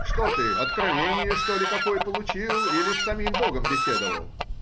что ты, откровение, что ли, какое получил или с самим богом беседовал?